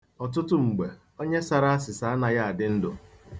Ọtụtụ mgbe, onye sara asịsa anaghị adị ndụ.